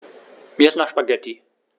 Mir ist nach Spaghetti.